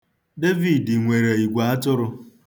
Devid nwere igweatụrụ.